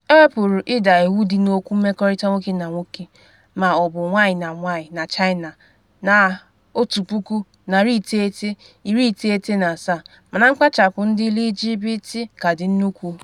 Ewepuru ịda iwu dị n’okwu mmekọrịta nwoke na nwoke ma ọ bụ nwanyị na nwaanyị na China na 1997, mana mkpachapụ ndị LGBT ka dị nnukwu.